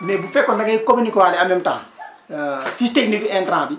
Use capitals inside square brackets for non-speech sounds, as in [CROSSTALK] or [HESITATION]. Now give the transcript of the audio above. mais bu fekkoon da ngay communiquer waale en même temps [HESITATION] fiche technique gu intrant bi